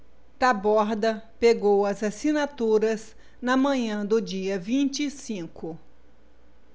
taborda pegou as assinaturas na manhã do dia vinte e cinco